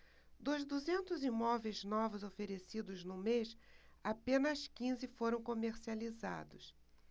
dos duzentos imóveis novos oferecidos no mês apenas quinze foram comercializados